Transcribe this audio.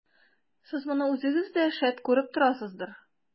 Сез моны үзегез дә, шәт, күреп торасыздыр.